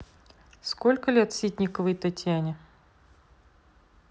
сколько лет ситниковой татьяне